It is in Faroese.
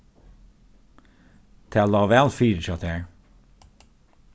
tað lá væl fyri hjá tær